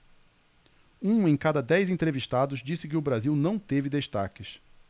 um em cada dez entrevistados disse que o brasil não teve destaques